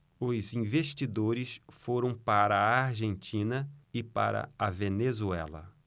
os investidores foram para a argentina e para a venezuela